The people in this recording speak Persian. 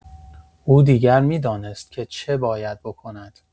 او دیگر می‌دانست که چه باید بکند.